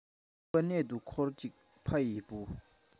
རིག པ གནད དུ ཁོད ཅིག ཕ ཡི བུ